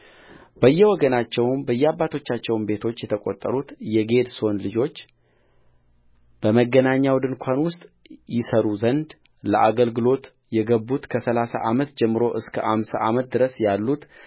በየወገናቸውም በየአባቶቻቸውም ቤቶች የተቈጠሩት የጌድሶን ልጆችበመገናኛው ድንኳን ውስጥ ይሠሩ ዘንድ ለአገልግሎት የገቡት ከሠላሳ ዓመት ጀምሮ እስከ አምሳ ዓመት ድረስ ያሉት